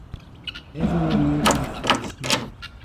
"Everyone knew him for his smile.